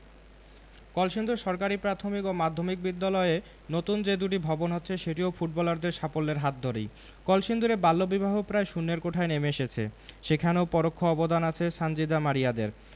কলসিন্দুর সরকারি প্রাথমিক ও মাধ্যমিক বিদ্যালয়ে নতুন যে দুটি ভবন হচ্ছে সেটিও ফুটবলারদের সাফল্যের হাত ধরেই কলসিন্দুরে বাল্যবিবাহ প্রায় শূন্যের কোঠায় নেমে এসেছে সেখানেও পরোক্ষ অবদান আছে সানজিদা মারিয়াদের